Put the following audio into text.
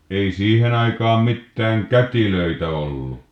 ei siihen aikaan mitään kätilöitä ollut